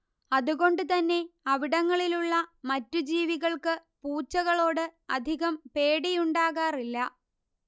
അതുകൊണ്ട് തന്നെ അവിടങ്ങളിലുള്ള മറ്റ് ജീവികൾക്ക് പൂച്ചകളോട് അധികം പേടിയുണ്ടാകാറില്ല